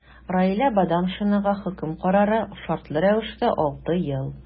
Раилә Бадамшинага хөкем карары – шартлы рәвештә 6 ел.